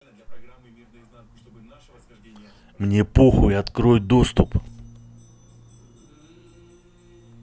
мне похуй открой доступ